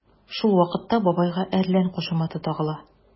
Шул вакытта бабайга “әрлән” кушаматы тагыла.